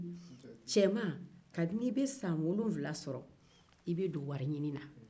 cɛman kabini i bɛ san wolonwula sɔrɔ i bɛ don wari ɲinin na